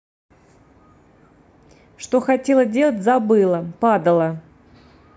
что хотела делать забыла падала